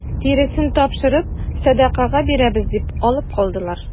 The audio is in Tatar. Тиресен тапшырып сәдакага бирәбез дип алып калдылар.